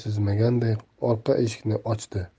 sezmaganday orqa eshikni ochdi